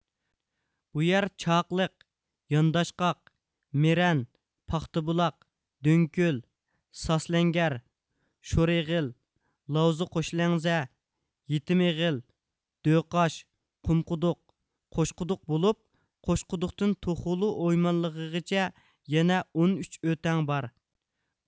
بۇ يەر چاقىلىق يانداشقاق مىرەن پاختابۇلاق دۆڭكۆل ساسلەنگەر شورئېغىل لاۋزا قوشلەڭزە يېتىم ئېغىل دۆقاش قۇمقۇدۇق قوشقۇدۇق بولۇپ قوشقۇدۇقتىن توخولۇ ئويمانلىغىغىچە يەنە ئون ئۈچ ئۆتەڭ بار